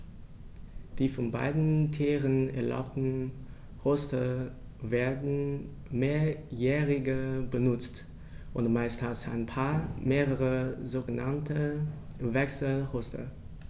Die von beiden Tieren erbauten Horste werden mehrjährig benutzt, und meist hat ein Paar mehrere sogenannte Wechselhorste.